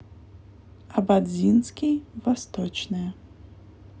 ободзинский восточная